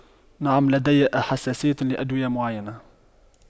نعم لدي الحساسية لأدوية معينة